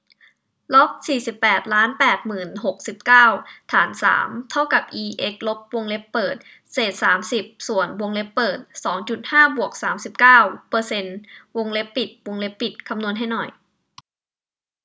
ล็อกสี่สิบแปดล้านแปดหมื่นหกสิบเก้าฐานสามเท่ากับอีเอ็กซ์ลบวงเล็บเปิดเศษสามสิบส่วนวงเล็บเปิดสองจุดห้าบวกสามสิบเก้าเปอร์เซ็นต์วงเล็บปิดวงเล็บปิดคำนวณให้หน่อย